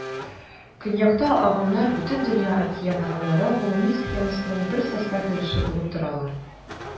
Көньякта агымнар Бөтендөнья океан агымнары гомуми схемасының бер состав өлеше булып торалар.